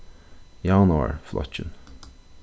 javnaðarflokkin